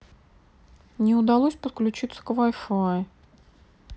не удалось подключиться к wi fi